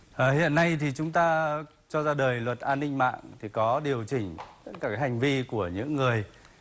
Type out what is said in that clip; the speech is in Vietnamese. ờ hiện nay thì chúng ta cho ra đời luật an ninh mạng thì có điều chỉnh tất cả cái hành vi của những người